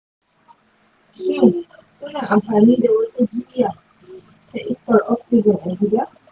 shin kuna amfani da wata jiyya ta iskar oxygen a gida?